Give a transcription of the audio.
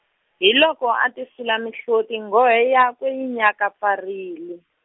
hi loko a tisula mihloti nghohe yakwe yi nyakapfarile.